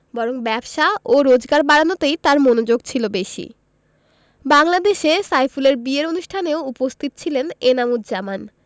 বরং ব্যবসা ও রোজগার বাড়ানোতেই তাঁর মনোযোগ ছিল বেশি বাংলাদেশে সাইফুলের বিয়ের অনুষ্ঠানেও উপস্থিত ছিলেন এনাম উজজামান